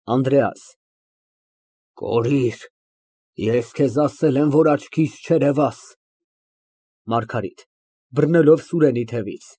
ԱՆԴՐԵԱՍ ֊ Կորիր… ես քեզ ասել եմ, որ աչքիս չերևաս… ՄԱՐԳԱՐԻՏ ֊ (Բռնելով Սուրենի թևից)